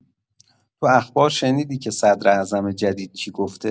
تو اخبار شنیدی که صدراعظم جدید چی گفته؟